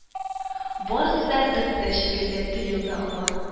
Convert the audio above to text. Барысы да бетте шикелле тоелды аңа